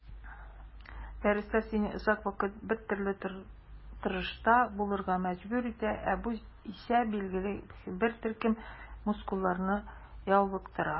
Дәресләр сине озак вакыт бертөрле торышта булырга мәҗбүр итә, ә бу исә билгеле бер төркем мускулларны ялыктыра.